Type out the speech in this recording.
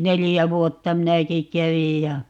neljä vuotta minäkin kävin ja